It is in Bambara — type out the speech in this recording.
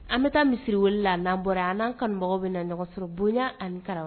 An bɛ taa misiriwele la n'an bɔra yan an n'a kunubagaw bɛna ɲɔgɔn sɔrɔ bonya ani karama